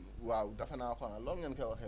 waaw defe naa ko ah loolu ngeen koy waxee